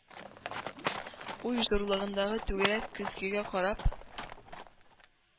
Уч зурлыгындагы түгәрәк көзгегә карап